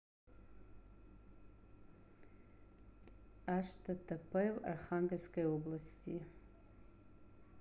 http в архангельской области